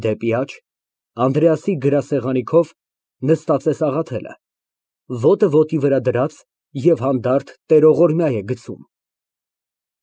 Դեպի աջ, Անդրեասի գրասեղանի քով նստած է Սաղաթելը, ոտը ոտի վրա դրած և հանդարտ տերողորմյա է գցում։